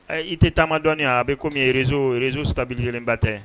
I tɛ taama dɔɔnin a bɛ kɔmi rzo rz tabi lajɛlenlenba tɛ